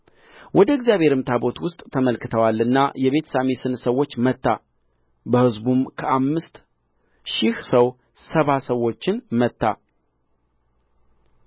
ወደ እግዚአብሔርም ታቦት ውስጥ ተመልክተዋልና የቤትሳሚስን ሰዎች መታ በሕዝቡም ከአምስት ሺህ ሰው ሰባ ሰዎችን መታ